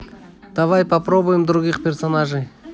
давай попробуем других персонажей